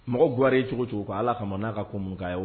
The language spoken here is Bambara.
Mɔgɔ ga ye cogo cogo ko ala ka n'a ka ko munkanya wa